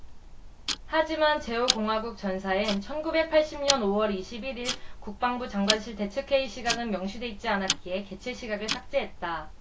하지만 제 오 공화국전사 엔 천 구백 팔십 년 오 월 이십 일 일 국방부 장관실 대책회의 시각은 명시돼 있지 않았기에 개최 시각을 삭제했다